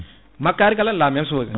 makkari kala la même chose